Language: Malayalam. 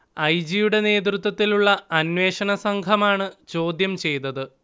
ഐ. ജി. യുടെ നേതൃത്വത്തിലുള്ള അന്വേഷണ സംഘമാണ് ചോദ്യം ചെയ്തത്